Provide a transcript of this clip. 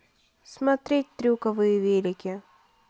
смотреть трюковые велики